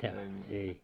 ei mitään